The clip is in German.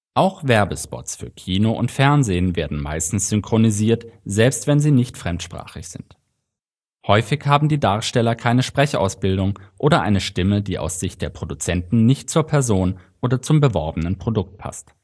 Auch Werbespots für Kino und Fernsehen werden meistens synchronisiert, selbst wenn sie nicht fremdsprachig sind. Häufig haben die Darsteller keine Sprechausbildung oder eine Stimme, die aus Sicht der Produzenten nicht zur Person oder zum beworbenen Produkt passt